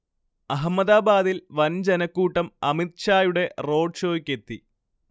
അഹമ്മദാബാദിൽ വൻ ജനക്കൂട്ടം അമിത്ഷായുടെ റോഡ് ഷോയ്ക്കെത്തി